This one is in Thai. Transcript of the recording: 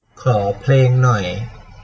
ขอเพลงหน่อย